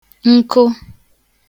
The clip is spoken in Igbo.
nku